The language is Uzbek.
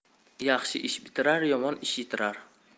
yaxshi ish bitirar yomon ish yitirar